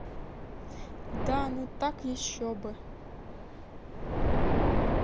да ну так еще бы